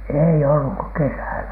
ei ollut kuin kesällä